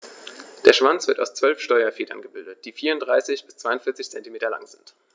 Der Schwanz wird aus 12 Steuerfedern gebildet, die 34 bis 42 cm lang sind.